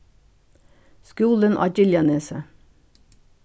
skúlin á giljanesi